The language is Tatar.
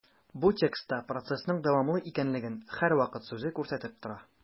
Бу текстта процессның дәвамлы икәнлеген «һәрвакыт» сүзе күрсәтеп тора.